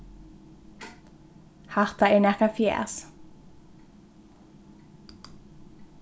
hatta er nakað fjas